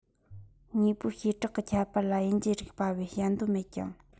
དངོས པོའི བྱེ བྲག གི ཁྱད པར ལ དབྱེ འབྱེད རིག པ བས དཔྱད འདོད མེད ཀྱང